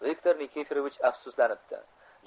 viktor nikiforovich afsuslanibdi